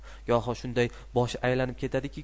goho shunday boshi aylanib ketadiki